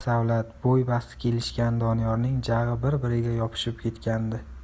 sersavlat bo'y basti kelishgan doniyorning jag'i bir biriga yopishib ketgan